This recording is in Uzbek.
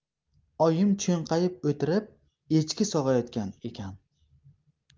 oyim cho'nqayib o'tirib echki sog'ayotgan ekan